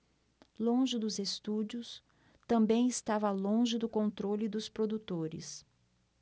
longe dos estúdios também estava longe do controle dos produtores